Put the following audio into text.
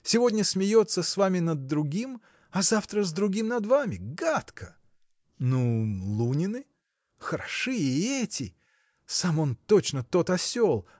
сегодня смеется с вами над другим, а завтра с другим над вами. гадко! – Ну, Лунины? – Хороши и эти. Сам он точно тот осел